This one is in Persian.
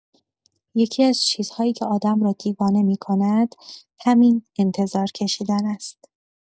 یکی‌از چیزهایی که آدم را دیوانه می‌کند همین انتظار کشیدن است.